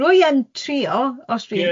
Rwy yn trio os dwi... Ie.